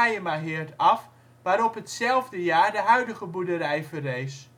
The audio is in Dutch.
Hayemaheerd af, waarop hetzelfde jaar de huidige boerderij verrees